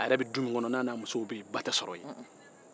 a yɛrɛ n'a muso bɛ du min kɔnɔ ba tɛ sɔrɔ yen